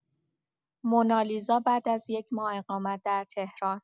مونالیزا بعد از یک ماه اقامت در تهران